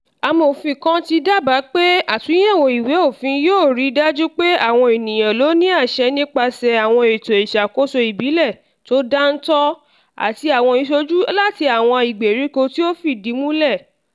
Amòfin kan ti dábàá pé àtúnyẹ̀wò ìwé òfin yóò ri dájú pé àwọn ènìyan ló ní àṣẹ nípasẹ̀ àwọn ètò ìṣakoso ìbílẹ̀ tó dáńtọ́ àti àwọn ìṣojú láti àwọn ìgberíko tí ó fìdí múlẹ̀.